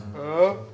hả